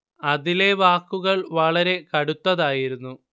അതിലെ വാക്കുകൾ വളരെ കടുത്തതായിരുന്നു